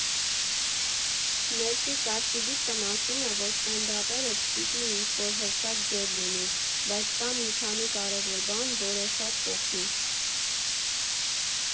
Ներսիս ակտիվիստն ասում է, որ ստենդափերը չպիտի ինչ֊որ հստակ ձև լինի, բայց կա մի քանի կարևոր բան, որը շատ կօգնի։